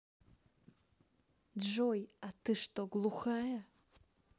джой а ты что глухая